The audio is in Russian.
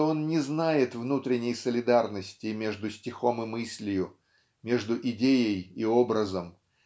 что он не знает внутренней солидарности между стихом и мыслью между идеей и образом